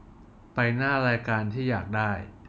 ไปหน้ารายการที่อยากได้